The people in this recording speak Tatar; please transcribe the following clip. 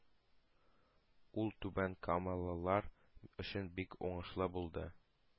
Ул түбәнкамалылар өчен бик уңышлы булды.